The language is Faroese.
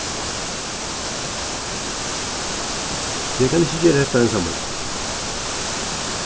eg kann ikki gera hetta einsamøll